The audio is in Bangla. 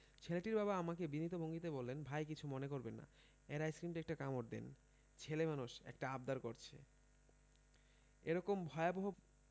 ছেলেটির বাবা আমাকে বিনীত ভঙ্গিতে বললেন ভাই কিছু মনে করবেন না এর আইসক্রিমটায় একটা কামড় দেন ছেলে মানুষ একটা আবদার করছে এরকম ভয়াবহ